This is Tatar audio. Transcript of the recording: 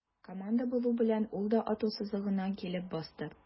Команда булу белән, ул да ату сызыгына килеп басты.